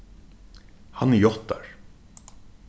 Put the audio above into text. hann játtar